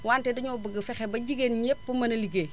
wante dañoo bëgg fexe ba jigéen ñi ñëpp mën a ligéey